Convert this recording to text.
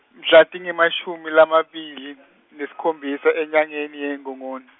mhla tingemashumi lamabili nesikhombisa enyangeni yeNgongon-.